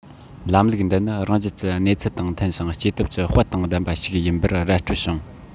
ལམ ལུགས འདི ནི རང རྒྱལ གྱི གནས ཚུལ དང མཐུན ཞིང སྐྱེ སྟོབས ཀྱི དཔལ དང ལྡན པ ཞིག ཡིན པར ར སྤྲོད བྱུང